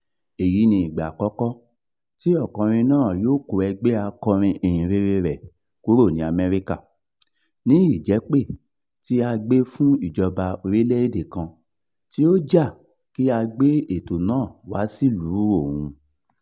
Èyí ni ìgbà àkọ́kọ́ tí ọ̀kọrin náà yóò kó ẹgbẹ́ akọrin ìyìnrere rẹ̀ kúrò ní Amẹ́ríkà, ní ìjẹ́pèe ti agbè fún ìjọba orílẹ̀ èdèe kan tí ó Ja kí ó gbé ètò náà wá sílùú òun.